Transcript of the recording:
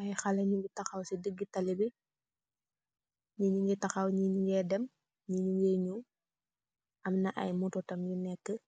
Ay halex yu tahaw si digeh talibi, gi jugeeh tahaw gi gukeeh deem gi nukeek yow, emm na ayy motor yufa neh kah